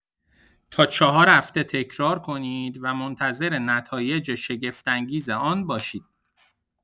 تا ۴ هفته تکرار کنید و منتظر نتایج شگفت‌انگیز آن باشید!